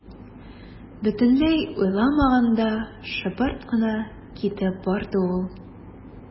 Бөтенләй уйламаганда шыпырт кына китеп барды ул.